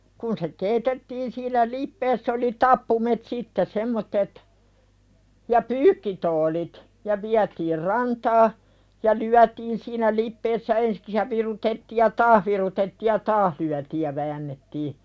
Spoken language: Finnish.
no kun se keitettiin sillä lipeässä oli tappuimet sitten semmoiset ja pyykkituolit ja vietiin rantaan ja lyötiin siinä lipeässä ensiksi ja virutettiin ja taas virutettiin ja taas lyötiin ja väännettiin